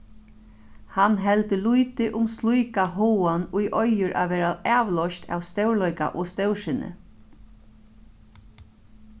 hann heldur lítið um slíka háðan ið eigur at verða avloyst av stórleika og stórsinni